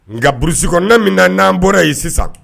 Nka burusi kɔnɔna min na n'an bɔra yen sisan